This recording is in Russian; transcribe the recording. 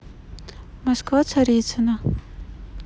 москва царицына